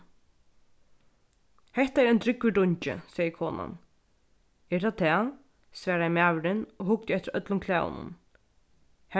hetta er ein drúgvur dungi segði konan er tað tað svaraði maðurin og hugdi eftir øllum klæðunum